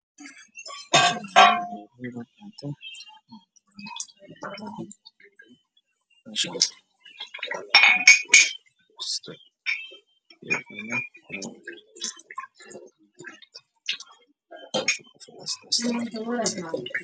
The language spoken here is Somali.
Waa maqaayad waxaa yaalo kuraas miisaas kalarkooda waa qaxwe